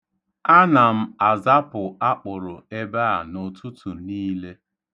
Ana m azapụ akpụrụ ebe a n'ụtụtụ niile.